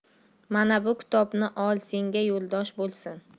mana bu kitobni ol senga yo'ldosh bo'lsin